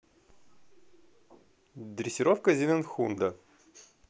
дрессировка зенненхунда